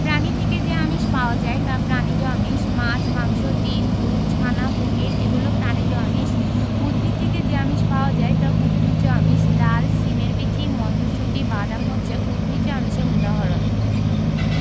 প্রাণী থেকে যে আমিষ পাওয়া যায় তা প্রাণিজ আমিষ মাছ মাংস ডিম দুধ ছানা পনির এগুলো প্রাণিজ আমিষ উদ্ভিদ থেকে যে আমিষ পাওয়া যায় তা উদ্ভিজ্জ আমিষ ডাল শিমের বিচি মটরশুঁটি বাদাম হচ্ছে উদ্ভিজ্জ আমিষের উদাহরণ